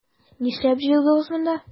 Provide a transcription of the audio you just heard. Нишләп җыелдыгыз монда?